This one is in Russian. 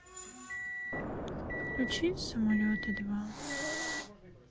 включи самолеты два